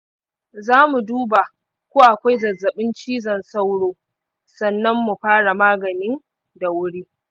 zamu duba ko akwai zazzabin cizon sauro sannan mu fara magani da wuri.